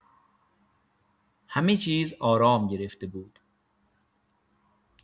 همه چیز آرام گرفته بود.